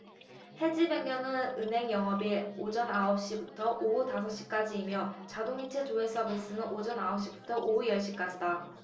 해지 변경은 은행 영업일 오전 아홉 시부터 오후 다섯 시까지이며 자동이체 조회 서비스는 오전 아홉 시부터 오후 열 시까지다